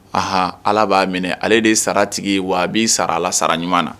Ahan Ala b'a minɛ ale de sara tigi wa a b'i sara a la sara ɲuman na